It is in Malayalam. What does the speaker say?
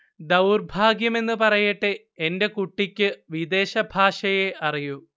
ദൗർഭാഗ്യമെന്നു പറയട്ടെ, 'എന്റെ കുട്ടിക്ക് വിദേശഭാഷയേ അറിയൂ'